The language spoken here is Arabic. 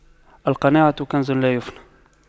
القناعة كنز لا يفنى